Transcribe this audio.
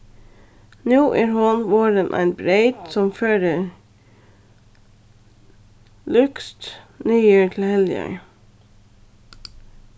nú er hon vorðin ein breyt sum førir lúkst niður til heljar